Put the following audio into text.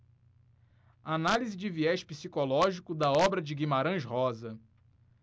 análise de viés psicológico da obra de guimarães rosa